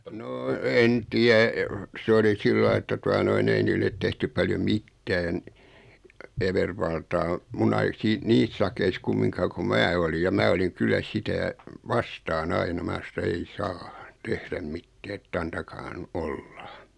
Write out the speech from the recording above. no en tiedä se oli sillä lailla että tuota noin ei niille tehty paljon mitään evervaltaa minun - siinä niissä sakeissa kumminkaan kun minä olin ja minä olin kyllä sitä vastaan aina minä sanoin että ei saa tehdä mitään että antakaahan olla